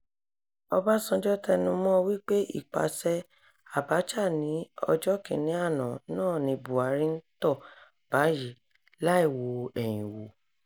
Ọbásanjọ́ tẹnumọ́ọ wípé "ipasẹ̀ " Abacha ní ọjọ́ kínní àná náà ni Buhari ń tọ́ báyìí "láì wo ẹ̀yìn wò."